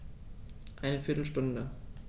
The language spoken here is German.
Eine viertel Stunde